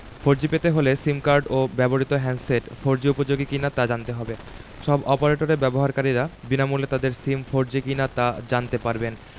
four G পেতে হলে SIM card ও ব্যবহৃত হ্যান্ডসেট ফোরজি উপযোগী কিনা তা জানতে হবে সব অপারেটরের ব্যবহারকারীরা বিনামূল্যে তাদের সিম ফোরজি কিনা তা জানতে পারবেন